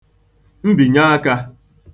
mbìnyeekā